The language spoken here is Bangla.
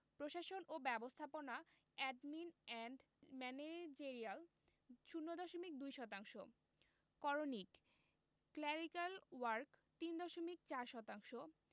প্রশাসন ও ব্যবস্থাপনা এডমিন এন্ড ম্যানেজেরিয়াল ০ দশমিক ২ শতাংশ করণিক ক্ল্যারিক্যাল ওয়ার্ক্স ৩ দশমিক ৪ শতাংশ